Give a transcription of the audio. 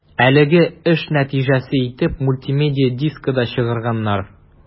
Әлеге эш нәтиҗәсе итеп мультимедия дискы да чыгарганнар.